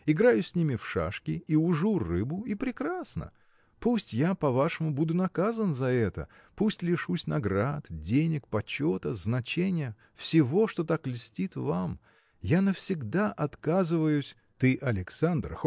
играю с ними в шашки и ужу рыбу – и прекрасно! Пусть я по-вашему буду наказан за это пусть лишусь наград денег почета значения – всего что так льстит вам. Я навсегда отказываюсь. – Ты Александр